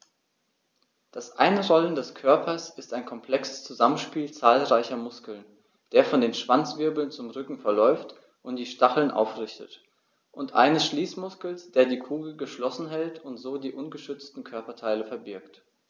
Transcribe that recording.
Das Einrollen des Körpers ist ein komplexes Zusammenspiel zahlreicher Muskeln, der von den Schwanzwirbeln zum Rücken verläuft und die Stacheln aufrichtet, und eines Schließmuskels, der die Kugel geschlossen hält und so die ungeschützten Körperteile verbirgt.